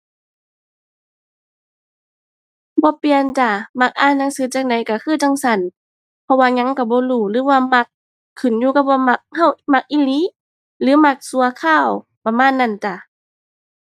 บ่เปลี่ยนจ้า มักอ่านหนังสือจั่งใดก็คือจั่งซั้น เพราะว่าหยังก็บ่รู้หรือว่ามัก ขึ้นอยู่กับว่ามักก็มักอีหลีหรือมักก็คราว ประมาณนั้นจ้า